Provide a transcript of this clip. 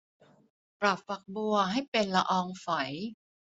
ปรับฝักบัวให้เป็นละอองฝอย